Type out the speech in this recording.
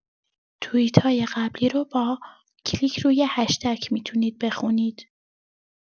توییت‌های قبلی رو با کلیک روی هشتگ می‌تونید بخونید.